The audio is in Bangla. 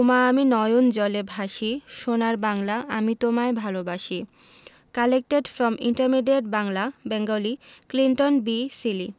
ওমা আমি নয়ন ওমা আমি নয়ন জলে ভাসি সোনার বাংলা আমি তোমায় ভালবাসি collected from intermediate Bangla Bengali Clinton B Seely